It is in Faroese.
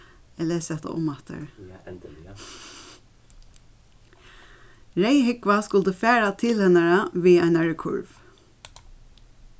reyðhúgva skuldi fara til hennara við einari kurv